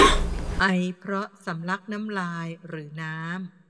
ไอเพราะสำลักน้ำลายหรือน้ำ